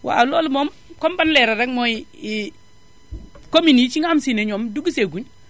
waaw loolu moom comme ban leeral rekk mooy commune yi si nga xam si ne ñoom duggu see guñ